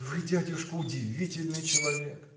– Вы, дядюшка, удивительный человек!